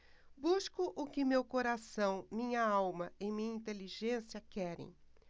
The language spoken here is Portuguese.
busco o que meu coração minha alma e minha inteligência querem